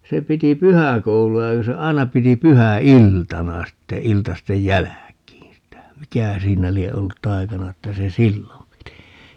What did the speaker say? se piti pyhäkoulua ja kun se aina piti pyhäiltana sitten iltasten jälkeen sitä mikähän siinä lie ollut taikana että se silloin piti